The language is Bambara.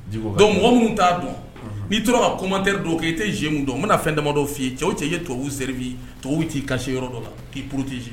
Dɔnku mɔgɔ minnu t'a dɔn n'i toraura ka komantɛ don k ii tɛ z min don n bɛna na fɛn damadɔ fi ye cɛw cɛ ye tubabu se bi tubabu t'i kasi yɔrɔ dɔ la k'i puru t'i